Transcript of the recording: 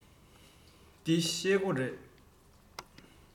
འདི ཤེལ སྒོ རེད